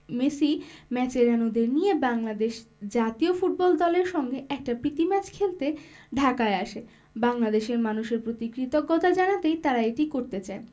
Messi মাচেরানোদের নিয়ে বাংলাদেশ জাতীয় ফুটবল দলের সঙ্গে একটা প্রীতি ম্যাচ খেলতে ঢাকায় আসে বাংলাদেশের মানুষের প্রতি কৃতজ্ঞতা জানাতেই তারা এটি করতে চায়